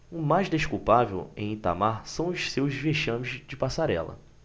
o mais desculpável em itamar são os seus vexames de passarela